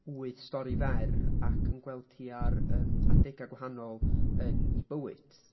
wyth stori fer ac yn gweld hi ar yym adegau gwahanol yn ei bywyd.